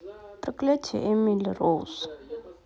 проклятье эмили роуз